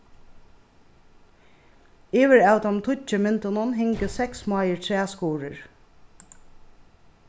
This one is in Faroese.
yvir av teimum tíggju myndunum hingu seks smáir træskurðir